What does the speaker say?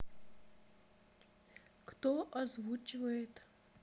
кто озвучивает